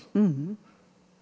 ja.